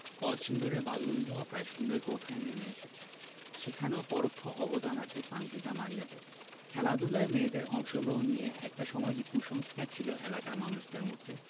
কলসিন্দুরে বাল্যবিবাহ প্রায় শূন্যের কোঠায় নেমে এসেছে সেখানেও পরোক্ষ অবদান আছে সানজিদামারিয়াদের খেলাধুলায় মেয়েদের অংশগ্রহণ নিয়ে একটা সময় যে কুসংস্কার ছিল এলাকার মানুষের মধ্যে